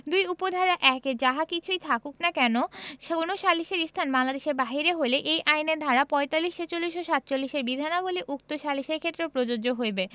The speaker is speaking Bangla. ২ উপ ধারা ১ এ যাহা কিচুই থাকুক না কেন কোন সালিসের স্থান বাংলঅদেশের বাহিরে হইলে এই আইনের ধারা ৪৫ ৪৬ ও ৪৭ এর বিধানাবলী উক্ত সালিসের ক্ষেত্রেও প্রযোজ্য হইবে